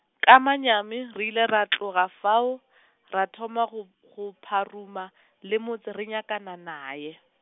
ka manyami re ile ra tloga fao , ra thoma g- go pharuma , le motse re nyakana naye.